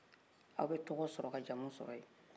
aw bɛ togɔw sɔrɔ ka jaama sɔrɔ ye